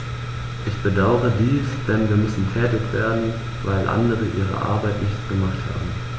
Ich bedauere dies, denn wir müssen tätig werden, weil andere ihre Arbeit nicht gemacht haben.